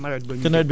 ca nawet